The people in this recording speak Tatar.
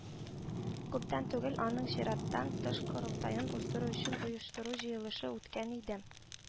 Күптән түгел аның чираттан тыш корылтаен уздыру өчен оештыру җыелышы үткән иде